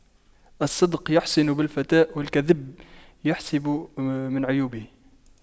الصدق يحسن بالفتى والكذب يحسب من عيوبه